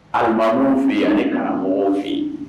Anlimamu fɛ yan ne karamɔgɔ mɔgɔw fɛ yen